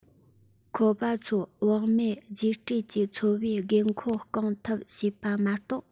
ཁོ པ ཚོའི བག མེད རྒྱས སྤྲོས ཀྱི འཚོ བའི དགོས མཁོ སྐོང ཐབས བྱས པ མ གཏོགས